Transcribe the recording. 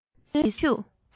ཁྱོད ཀྱིས གསོན ཤུགས